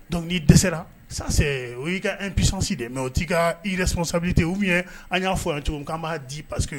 Dɔnkuc'i dɛsɛsera sa o y'i ka e psɔnsi de mɛ o t'i ka i yɛrɛsɔnsa tɛ ye an y'a fɔ cogo'an b'a di passeke ye